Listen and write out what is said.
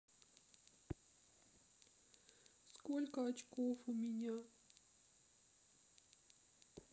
сколько очков у меня